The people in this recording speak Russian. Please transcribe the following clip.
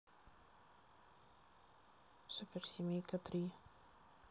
суперсемейка три